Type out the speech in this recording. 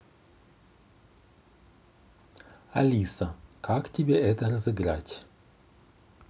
алиса как тебе это розыграть